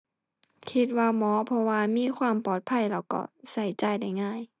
คิดว่าเหมาะ เพราะว่ามีความปลอดภัยแล้วก็ใช้จ่ายได้ง่าย